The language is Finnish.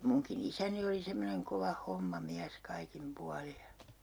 minunkin isäni oli semmoinen kova hommamies kaikin puolin ja